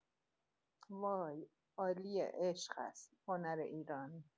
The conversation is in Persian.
وای عالیه عشق است هنر ایران